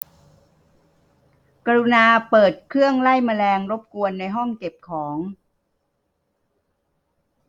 กรุณาเปิดเครื่องไล่แมลงรบกวนในห้องเก็บของ